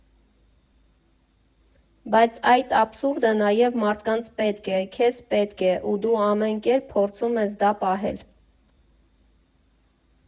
Բայց այդ աբսուրդը նաև մարդկանց պետք է, քեզ պետք է, ու դու ամեն կերպ փորձում ես դա պահել։